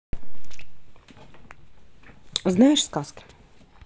знаешь сказки